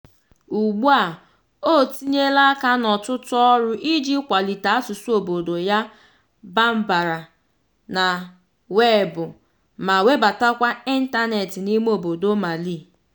Ugbua, o tinyela aka n'ọtụtụ ọrụ iji kwalite asụsụ obodo ya, Bambara, na Weebụ, ma webatakwa ịntanetị n'ime obodo Mali.